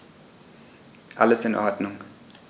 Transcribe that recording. Alles in Ordnung.